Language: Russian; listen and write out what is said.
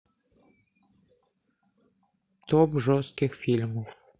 топ жестких фильмов